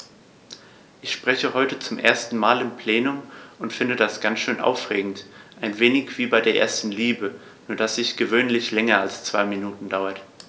Ich spreche heute zum ersten Mal im Plenum und finde das ganz schön aufregend, ein wenig wie bei der ersten Liebe, nur dass die gewöhnlich länger als zwei Minuten dauert.